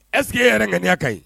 Est ce que e yɛrɛ ŋaniya ka ɲi?